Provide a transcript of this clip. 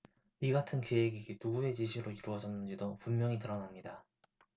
이 같은 계획이 누구의 지시로 이뤄졌는지도 분명히 드러납니다